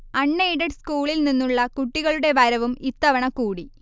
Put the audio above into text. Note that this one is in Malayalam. അൺ എയ്ഡഡ് സ്കൂളിൽനിന്നുള്ള കുട്ടികളുടെ വരവും ഇത്തവണ കൂടി